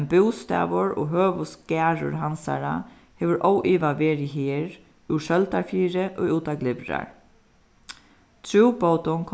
men bústaður og høvuðsgarður hansara hevur óivað verið her úr søldarfirði og út á glyvrar trúbótin